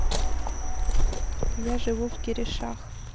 я живу в киришах